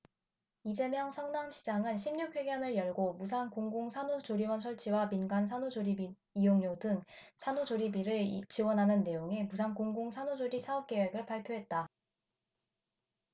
이재명 성남시장은 십 육 회견을 열고 무상 공공산후조리원 설치와 민간 산후조리비 이용료 등 산후조리비를 지원하는 내용의 무상 공공산후조리 사업계획을 발표했다